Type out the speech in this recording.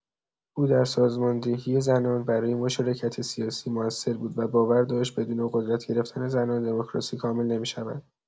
او در سازمان‌دهی زنان برای مشارکت سیاسی مؤثر بود و باور داشت بدون قدرت گرفتن زنان، دموکراسی کامل نمی‌شود.